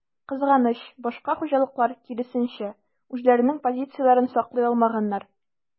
Кызганыч, башка хуҗалыклар, киресенчә, үзләренең позицияләрен саклый алмаганнар.